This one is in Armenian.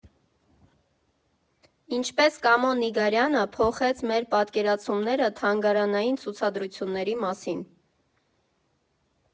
Ինչպես Կամո Նիգարյանը փոխեց մեր պատկերացումները թանգարանային ցուցադրությունների մասին։